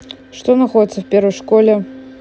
что находится в первой школе